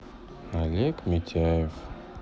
олег митяев